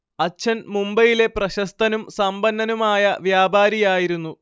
അച്ഛൻ മുംബൈയിലെ പ്രശസ്തനും സമ്പന്നനുമായ വ്യാപാരിയായിരുന്നു